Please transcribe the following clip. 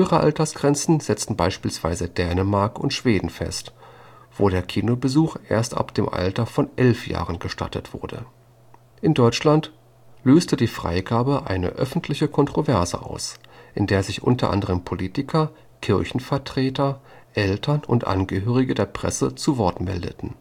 Altersgrenzen setzten beispielsweise Dänemark und Schweden fest, wo der Kinobesuch erst ab dem Alter von elf Jahren gestattet wurde. In Deutschland löste die Freigabe eine öffentliche Kontroverse aus, in der sich unter anderem Politiker, Kirchenvertreter, Eltern und Angehörige der Presse zu Wort meldeten